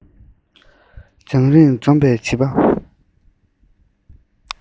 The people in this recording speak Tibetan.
སྦྱང རིག འཛོམས པའི བྱིས པ